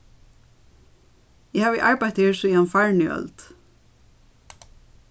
eg havi arbeitt her síðan farnu øld